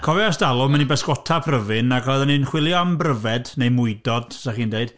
Cofio ers talwm o'n ni'n pysgota pryfyn, ac oedden ni'n chwilio am bryfed - neu mwydod, dach chi'n dweud...